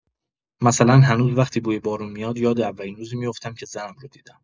مثلا هنوز وقتی بوی بارون میاد، یاد اولین روزی می‌افتم که زنم رو دیدم.